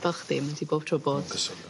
fel chdi m- 'di bob tro bod... Yn gyson ia.